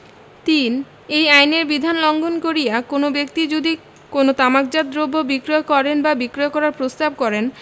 ৩ এই আইনের বিধান লংঘন করিয়া কোন ব্যক্তি যদি কোন তামাকজাত দ্রব্য বিক্রয় করেন বা বিক্রয় করার প্রস্তাব করেন